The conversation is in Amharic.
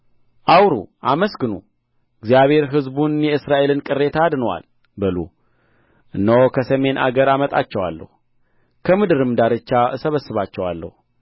አውሩ አመስግኑ እግዚአብሔር ሕዝቡን የእስራኤልን ቅሬታ አድኖአል በሉ እነሆ ከሰሜን አገር አመጣቸዋለሁ ከምድርም ዳርቻ እሰበስባቸዋለሁ